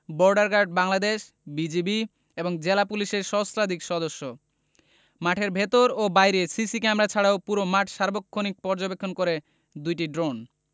border guard Bangladesh BGB এবং জেলা পুলিশের সহস্রাধিক সদস্য মাঠের ভেতর ও বাইরে সিসি ক্যামেরা ছাড়াও পুরো মাঠ সার্বক্ষণিক পর্যবেক্ষণ করে দুটি ড্রোন